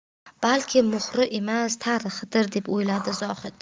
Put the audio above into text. balki muhri emas tarixidir deb o'yladi zohid